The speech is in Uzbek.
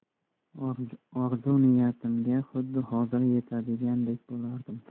orzu niyatimga xuddi hozir yetadigandek bo'lardim